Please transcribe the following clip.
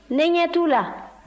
ne ɲɛ t'u la